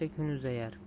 odimicha kun uzayar